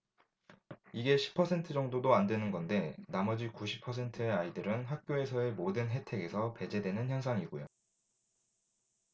이게 십 퍼센트 정도도 안 되는 건데 나머지 구십 퍼센트의 아이들은 학교에서의 모든 혜택에서 배제되는 현상이고요